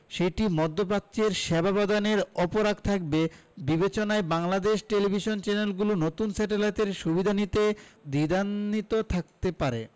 সেটি মধ্যপ্রাচ্যে সেবা প্রদানে অপারগ থাকবে বিবেচনায় বাংলাদেশ টেলিভিশন চ্যানেলগুলো নতুন স্যাটেলাইটের সুবিধা নিতে দ্বিধান্বিত থাকতে পারে